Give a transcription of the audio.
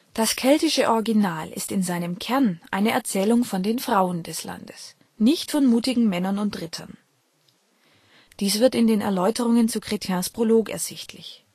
Das keltische Original ist in seinem Kern eine Erzählung von den Frauen des Landes, nicht von mutigen Männern und Rittern. Dies wird in den Erläuterungen zu Chrétiens Prolog ersichtlich